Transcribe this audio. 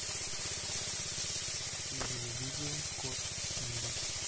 видели видео кот симба